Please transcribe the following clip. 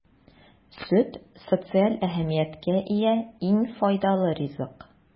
Сөт - социаль әһәмияткә ия иң файдалы ризык.